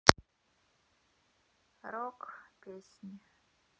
рок песни